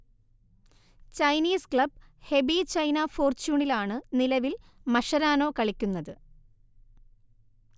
Chinese club Hebei China ഫോർച്യുണിലാണ്‌ നിലവിൽ Mascherano കളിക്കുന്നത്